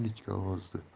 deydi ingichka ovozda